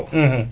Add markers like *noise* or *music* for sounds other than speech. *hesitation* *hesitation*